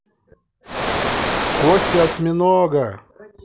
кости осьминога